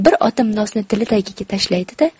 bir otim nosni tili tagiga tashlaydi da